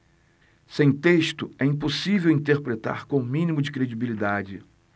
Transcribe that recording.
sem texto é impossível interpretar com o mínimo de credibilidade